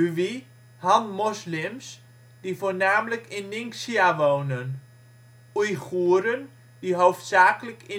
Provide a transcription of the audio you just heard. Hui (Han-moslims), die voornamelijk in Ningxia wonen; Oeigoeren, die hoofdzakelijk